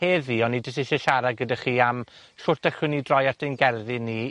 heddi o'n i jyst eisie siarad gyda chi am shwt allwn ni droi at ein gerddi ni